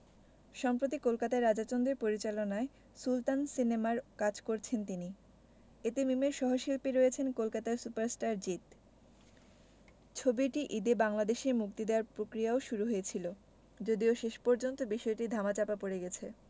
সম্প্রতি কলকাতায় রাজা চন্দের পরিচালনায় সুলতান সিনেমার কাজ করেছেন তিনি এতে মিমের সহশিল্পী রয়েছেন কলকাতার সুপারস্টার জিৎ ছবিটি ঈদে বাংলাদেশে মুক্তি দেয়ার প্রক্রিয়াও শুরু হয়েছিল যদিও শেষ পর্যন্ত বিষয়টি ধামাচাপা পড়ে গেছে